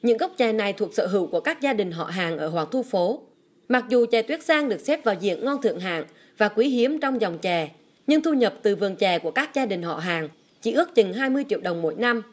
những gốc chè này thuộc sở hữu của các gia đình họ hàng ở hoàng thu phố mặc dù chè tuyết giang được xếp vào diện ngon thượng hạng và quý hiếm trong dòng chè nhưng thu nhập từ vườn chè của các gia đình họ hàng chỉ ước chừng hai mươi triệu đồng mỗi năm